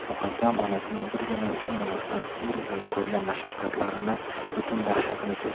muqaddam onasining birgina shu nolasidan umr bo'yi ko'rgan mashaqqatlarining butun dahshatini sezib